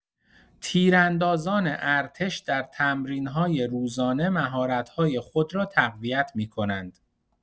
تیراندازان ارتش در تمرین‌های روزانه مهارت‌های خود را تقویت می‌کنند.